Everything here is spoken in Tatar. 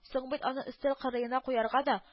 Соң бит аны өстәл кырыена куярга да